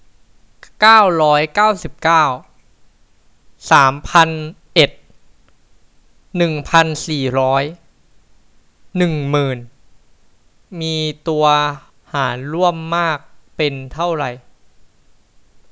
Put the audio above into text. เก้าร้อยเก้าสิบเก้าสามพันเอ็ดหนึ่งพันสี่ร้อยหนึ่งหมื่นมีตัวหารร่วมมากเป็นเท่าไหร่